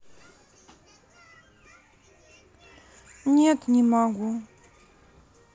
нет не могу